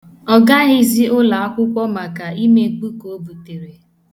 Ọ gaghịzị ụlọakwụkwọ maka imemkpuke o butere.